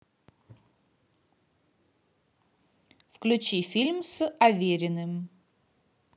включи фильм с авериным